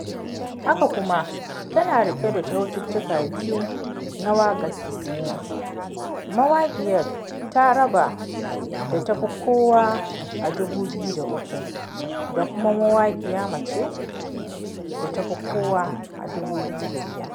Haka kuma tana riƙe da Kyaututtuka biyu na Waƙar Kisima: Mawaƙiyar Taraaba da ta fi kowa a 2003 da kuma Mawaƙiya Mace da ta fi kowa a 2005.